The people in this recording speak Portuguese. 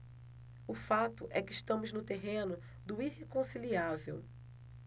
o fato é que estamos no terreno do irreconciliável